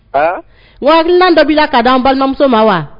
A waati dɔbila ka d di an balimamuso ma wa